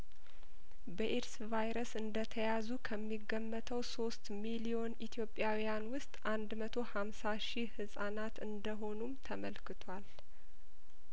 በኤድስ ቫይረስ እንደተያዙ ከሚገመተው ሶስት ሚሊዮን ኢትዮጵያውያን ውስጥ አንድ መቶ ሀምሳ ሺህ ህጻናት እንደሆኑም ተመልክቷል